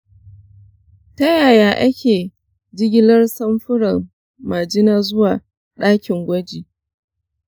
ta yaya ake jigilar samfuran majina zuwa ɗakin gwaji?